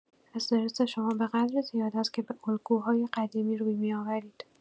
استرس شما به‌قدری زیاد است که به الگوهای قدیمی روی می‌آورید.